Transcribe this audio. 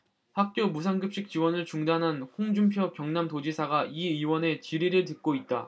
학교 무상급식 지원을 중단한 홍준표 경남도지사가 이 의원의 질의를 듣고 있다